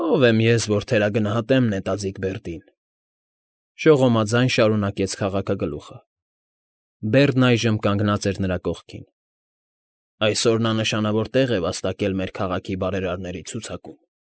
Ո՞վ եմ ես, որ թերագնահատեմ նետաձիգ Բերդին,֊ շողոմաձայն շարունակեց քաղաքալուխը (Բերդն այժմ կանգնած էր նրա կողքին)։֊ Այսօր նա նշանավոր տեղ է վաստակել մեր քաղաքի բարերարների ցուցակում։